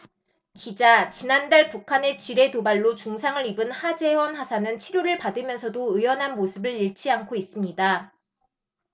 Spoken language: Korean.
기자 지난달 북한의 지뢰 도발로 중상을 입은 하재헌 하사는 치료를 받으면서도 의연한 모습을 잃지 않고 있습니다